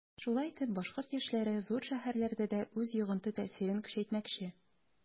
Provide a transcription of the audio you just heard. Шулай итеп башкорт яшьләре зур шәһәрләрдә дә үз йогынты-тәэсирен көчәйтмәкче.